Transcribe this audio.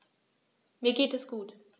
Mir geht es gut.